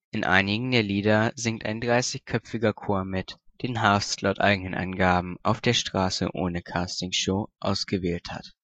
einigen der Lieder singt 30-köpfiger Chor mit, den Harfst laut eigenen Angaben auf der Straße, ohne Castingshow, ausgewählt hat